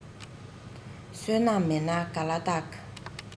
བསོད ནམས མེད ན ག ལ རྟག